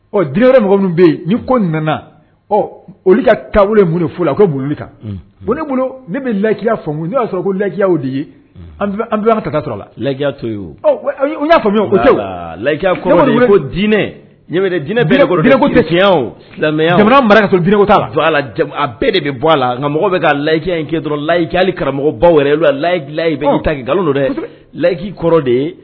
Ɔ di wɛrɛ mɔgɔ minnu bɛ yen ko mɛnɛna ɔ olu ka ka mun fola a ko boli kan bon ne bolo ne bɛ layiya faamu n' y'a fɔ ko laya de ye an ka taala laya to ye u y'a faamuya koya ko dinɛinɛ tɛyaya mara jinɛinɛ la a bɛɛ de bɛ bɔ a la nka mɔgɔ bɛ ka layiya in kɛ dɔrɔn layili karamɔgɔbaw yɛrɛ layi ta nkalon don dɛ layiki kɔrɔ de ye